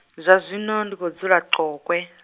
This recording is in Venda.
zwa zwino ndi khou dzula Tlokwe.